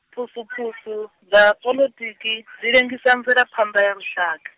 phusuphusu, dza poḽotiki, dzi lengisa mvelaphanḓa ya lushaka.